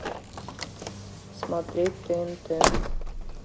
смотреть тнт